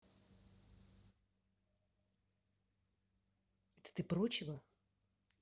это ты прочего